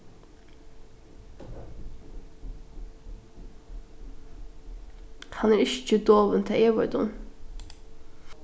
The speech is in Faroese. hann er ikki dovin tað eg veit um